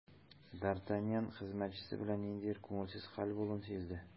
Д’Артаньян хезмәтчесе белән ниндидер күңелсез хәл булуын сизде.